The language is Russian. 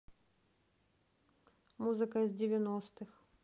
музыка из девяностых